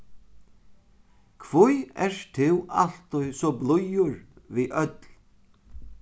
hví ert tú altíð so blíður við øll